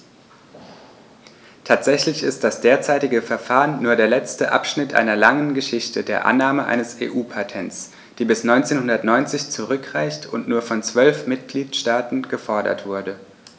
Tatsächlich ist das derzeitige Verfahren nur der letzte Abschnitt einer langen Geschichte der Annahme eines EU-Patents, die bis 1990 zurückreicht und nur von zwölf Mitgliedstaaten gefordert wurde.